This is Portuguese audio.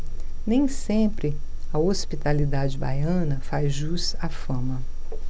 nem sempre a hospitalidade baiana faz jus à fama